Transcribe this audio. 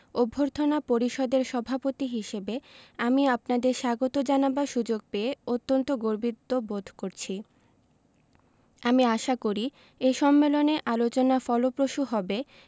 অভ্যর্থনা পরিষদের সভাপতি হিসেবে আমি আপনাদের স্বাগত জানাবার সুযোগ পেয়ে অত্যন্ত গর্বিত বোধ করছি আমি আশা করি এ সম্মেলনে আলোচনা ফলপ্রসূ হবে